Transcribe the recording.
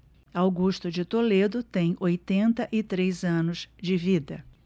augusto de toledo tem oitenta e três anos de vida